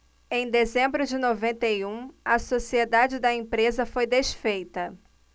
em dezembro de noventa e um a sociedade da empresa foi desfeita